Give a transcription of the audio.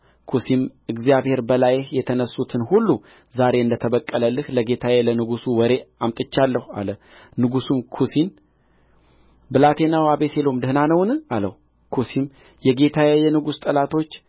ኵሲም እግዚአብሔር በላይህ የተነሡትን ሁሉ ዛሬ እንደተበቀለልህ ለጌታዬ ለንጉሡ ወሬ አምጥቻለሁ አለ ንጉሡም ኵሲን ብላቴናው አቤሴሎም ደህና ነውን አለው ኵሲም የጌታዬ የንጉሡ ጠላቶች